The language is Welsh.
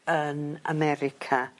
yn America